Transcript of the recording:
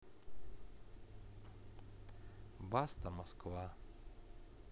баста москва